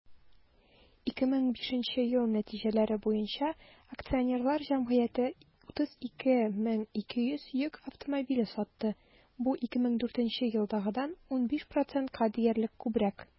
2005 ел нәтиҗәләре буенча акционерлар җәмгыяте 32,2 мең йөк автомобиле сатты, бу 2004 елдагыдан 15 %-ка диярлек күбрәк.